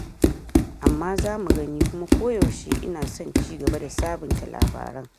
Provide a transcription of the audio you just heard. "Amma za mu gani kuma koyaushe ina son ci gaba da sabunta labaran."